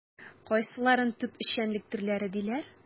Кайсыларын төп эшчәнлек төрләре диләр?